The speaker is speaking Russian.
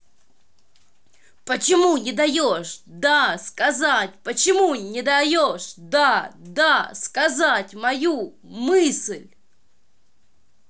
почему не даешь да сказать почему не даешь да да сказать мою мысль